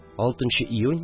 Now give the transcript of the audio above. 6 июнь